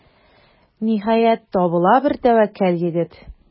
Ниһаять, табыла бер тәвәккәл егет.